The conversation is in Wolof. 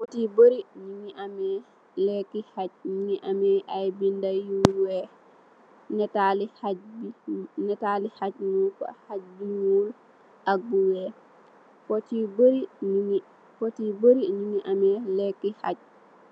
Bot yu bari nugi ameh leke haag mogi ameh binda yu weex netali haag bi netal haag bi bunko haag bo nuul ak bu weex boot yu bari nyungi boot yu bari nyugi ameh leke haag